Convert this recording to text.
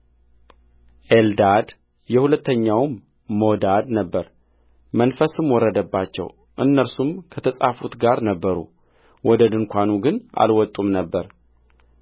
ኤልዳድ የሁለተኛውም ሞዳድ ነበረ መንፈስም ወረደባቸው እነርሱም ከተጻፉት ጋር ነበሩ ወደ ድንኳኑ ግን አልወጡም ነበር